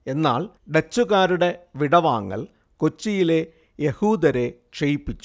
എന്നാൽ ഡച്ചുകാരുടെ വിടവാങ്ങൽ കൊച്ചിയിലെ യഹൂദരെ ക്ഷയിപ്പിച്ചു